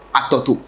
A tɔ to